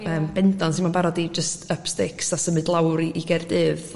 yym bendan 'im yn barod i jyst up sticks a symud lawr i... i Gaerdydd